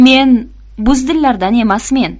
men buzdillardan emasmen